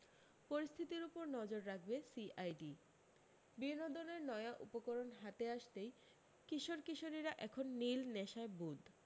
পরিস্থিতির উপর নজর রাখবে সিআইডি বিনোদনের নয়া উপকরণ হাতে আসতেই কিশোর কিশোরীরা এখন নিল নেশায় বুঁদ